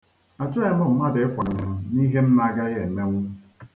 A chọghị m mmadụ ịkwanye m n'ihe m na-agaghị emenwu.